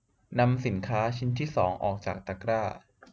นำสินค้าชิ้นที่สองออกจากตะกร้า